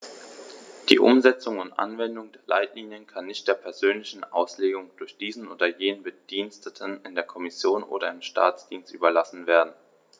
Die Umsetzung und Anwendung der Leitlinien kann nicht der persönlichen Auslegung durch diesen oder jenen Bediensteten in der Kommission oder im Staatsdienst überlassen werden.